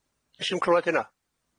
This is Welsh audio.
Nesh i'm clywad hynna.